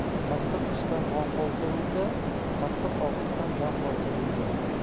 qattiq qishdan mol qolsa o'lja qattiq og'riqdan jon qolsa o'lja